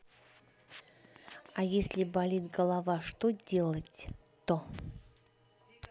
а если болит голова что делать то